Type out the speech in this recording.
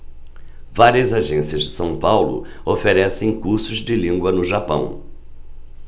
várias agências de são paulo oferecem cursos de língua no japão